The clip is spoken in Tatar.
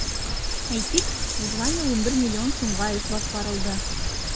Әйтик, узган ел 11 миллион сумга эш башкарылды.